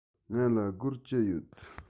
ང ལ སྒོར བཅུ ཡོད